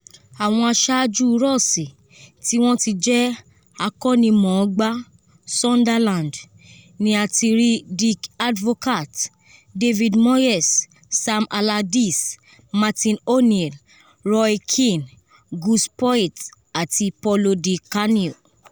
Àwọn àṣáájú Ross tí wọ́n ti jẹ́ akọ́nimọ̀ọ́gbá Sunderland ni a ti rí Dick Advocaat, David Moyes, Sam Allardyce, Martin O'Neill, Roy Keane, Gus Poyet àti Paulo Di Canio.